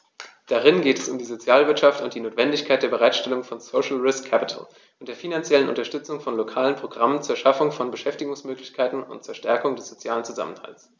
Darin geht es um die Sozialwirtschaft und die Notwendigkeit der Bereitstellung von "social risk capital" und der finanziellen Unterstützung von lokalen Programmen zur Schaffung von Beschäftigungsmöglichkeiten und zur Stärkung des sozialen Zusammenhalts.